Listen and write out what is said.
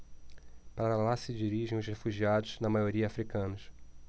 para lá se dirigem os refugiados na maioria hútus